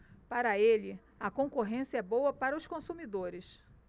para ele a concorrência é boa para os consumidores